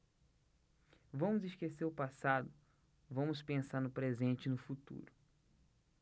vamos esquecer o passado vamos pensar no presente e no futuro